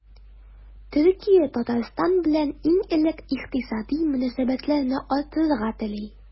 Төркия Татарстан белән иң элек икътисади мөнәсәбәтләрне арттырырга тели.